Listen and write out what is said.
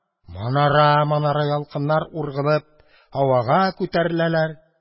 Манара-манара ялкыннар, ургылып, һавага күтәреләләр.